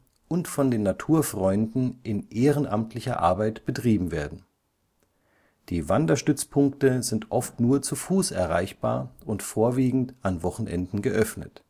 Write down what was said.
und von den Naturfreunden in ehrenamtlicher Arbeit betrieben werden. Die Wanderstützpunkte sind oft nur zu Fuß erreichbar und vorwiegend an Wochenenden geöffnet